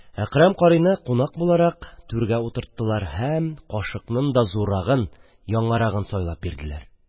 Әкрәм карыйны, кунак буларак, түргә утырттылар һәм аңа кашыкның да зуррагын, яңарагын сайлап бирделәр.